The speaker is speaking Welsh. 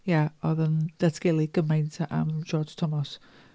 Ia oedd o'n datgelu gymaint am George Thomas.